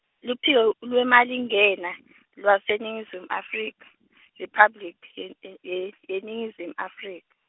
Luphiko lweMalingena, lwaseNingizimu Afrika , IRiphabliki yen- yen- ye- yeNingizimu Afrika.